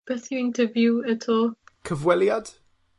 beth yw interview eto? Cyfweliad?